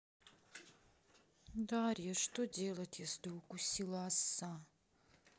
дарья что делать если укусила оса